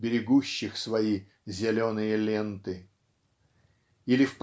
берегущих свои "зеленые ленты". Или